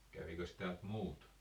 kävikös täältä muut